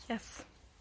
Yes.